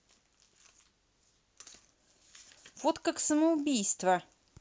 вот как самоубийство